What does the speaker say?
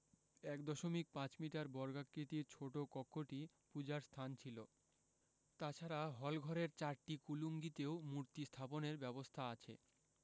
১ দশমিক ৫ মিটার বর্গাকৃতির ছোট কক্ষটি পূজার স্থান ছিল তাছাড়া হলঘরের চারটি কুলুঙ্গিতেও মূর্তি স্থাপনের ব্যবস্থা আছে